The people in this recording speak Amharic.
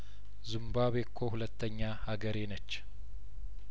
ዙምባቡዌ እኮ ሁለተኛ ሀገሬነች